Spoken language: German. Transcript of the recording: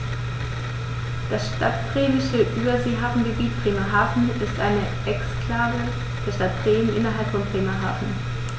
Das Stadtbremische Überseehafengebiet Bremerhaven ist eine Exklave der Stadt Bremen innerhalb von Bremerhaven.